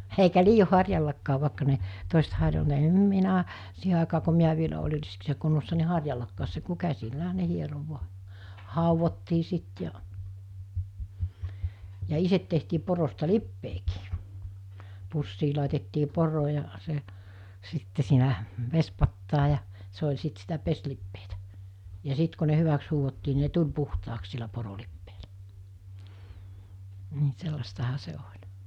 eikä liioin harjallakaan vaikka ne toiset - minä siihen aikaan kun minä vielä olin riskissä kunnossa niin harjallakaan se kun käsillähän ne hieroi vain haudottiin sitten ja ja itse tehtiin porosta lipeäkin pussiin laitettiin poro ja se sitten siinä vesipataan ja se oli sitten sitä pesulipeää ja sitten kun ne hyväksi huuhdottiin niin ne tuli puhtaaksi sillä porolipeällä niin sellaistahan se oli